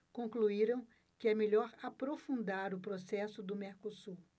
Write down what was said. concluíram que é melhor aprofundar o processo do mercosul